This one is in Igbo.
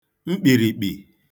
mkpìrìkpì